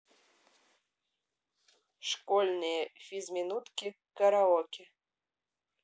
школьные физминутки караоке